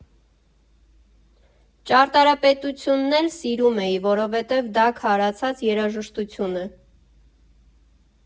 Ճարտարապետությունն էլ սիրում էի, որովհետև դա քարացած երաժշտություն է։